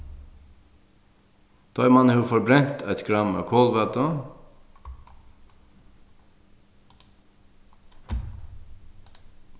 tá ið mann hevur forbrent eitt gramm av kolvætu